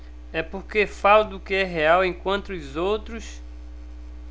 é porque falo do que é real enquanto os outros